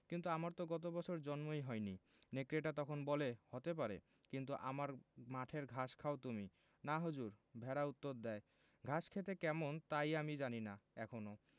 কিন্তু আমার তো গত বছর জন্মই হয়নি নেকড়েটা তখন বলে হতে পারে কিন্তু আমার মাঠের ঘাস খাও তুমি না হুজুর ভেড়া উত্তর দ্যায় ঘাস খেতে কেমন তাই আমি জানি না এখনো